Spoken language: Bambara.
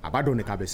A b'a dɔn de k'a bɛ s